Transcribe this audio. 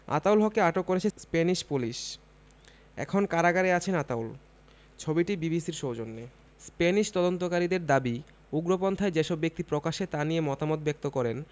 আতাউল হককে আটক করেছে স্প্যানিশ পুলিশ এখন কারাগারে আছেন আতাউল ছবিটি বিবিসির সৌজন্যে স্প্যানিশ তদন্তকারীদের দাবি উগ্রপন্থায় যেসব ব্যক্তি প্রকাশ্যে তা নিয়ে মতামত ব্যক্ত করেন